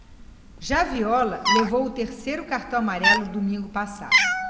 já viola levou o terceiro cartão amarelo domingo passado